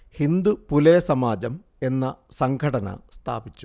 ഹിന്ദു പുലയ സമാജം എന്ന സംഘടന സ്ഥാപിച്ചു